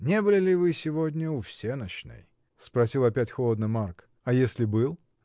— Не были ли вы сегодня у всенощной? — спросил опять холодно Марк. — А если был?